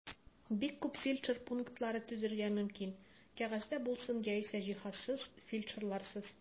Бик күп фельдшер пунктлары төзергә мөмкин (кәгазьдә булсын яисә җиһазсыз, фельдшерларсыз).